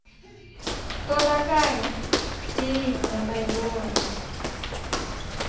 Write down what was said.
кто такая певица бэби лорен